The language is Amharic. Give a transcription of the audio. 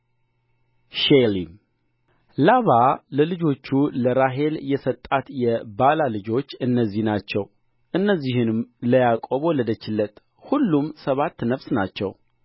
የሱዋ የሱዊ በሪዓ እኅታቸው ሤራሕ የበሪዓ ልጆችም